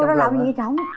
vô đó làm gì ở trỏng